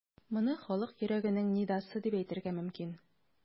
Моны халык йөрәгенең нидасы дип әйтергә мөмкин.